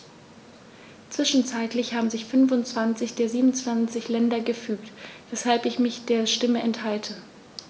Zwischenzeitlich haben sich 25 der 27 Länder gefügt, weshalb ich mich der Stimme enthalte.